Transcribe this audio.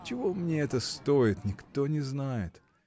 Чего мне это стоит: никто не знает!